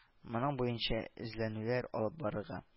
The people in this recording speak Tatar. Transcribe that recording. Моның буенча эзләнүләр алып барырга